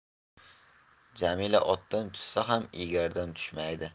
jamila otdan tushsa ham egardan tushmaydi